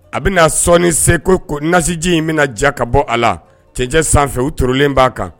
A bɛna sɔɔni se ko nasiji in bɛna ja ka bɔ a la cɛncɛn sanfɛ u torolen b'a kan.